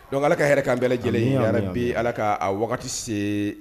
Donc Ala ka hɛrɛ k'an bɛɛ lajɛlen ye, amin, yarabi Ala ka a wagati se